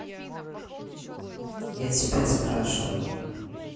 я тебя спрашиваю